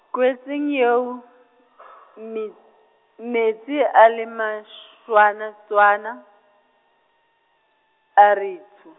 kweetseng eo , me-, metsi a le matshwana tshwana, a re tsho.